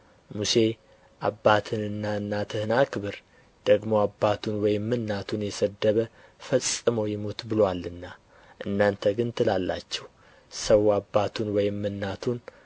ሙሴ አባትህንና እናትህን አክብር ደግሞ አባቱን ወይም እናቱን የሰደበ ፈጽሞ ይሙት ብሎአልና እናንተ ግን ትላላችሁ ሰው አባቱን ወይም እናቱን